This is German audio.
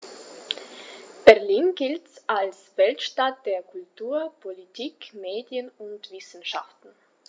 Berlin gilt als Weltstadt der Kultur, Politik, Medien und Wissenschaften.